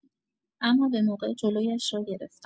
اما به‌موقع جلویش را گرفتم.